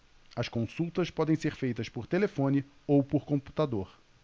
as consultas podem ser feitas por telefone ou por computador